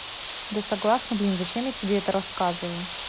да согласна блин зачем я тебе это рассказываю